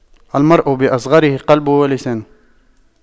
المرء بأصغريه قلبه ولسانه